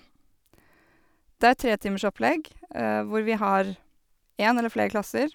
Det er et tretimersopplegg, hvor vi har én eller fler klasser.